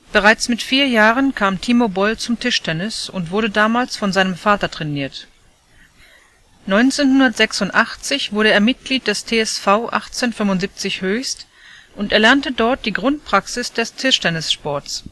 Bereits mit vier Jahren kam Timo Boll zum Tischtennis und wurde damals von seinem Vater trainiert. 1986 wurde er Mitglied des TSV 1875 Höchst und erlernte dort die Grundpraxis des Tischtennissports